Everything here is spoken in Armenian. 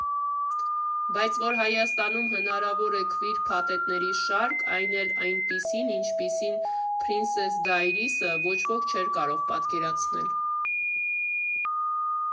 Բայց որ Հայաստանում հնարավոր է քվիր փարթիների շարք, այն էլ այնպիսին, ինչպիսին Փրինսես Դայրիզը, ոչ ոք չէր կարող պատկերացնել։